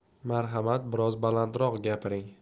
marhamat biroz balandroq gapiring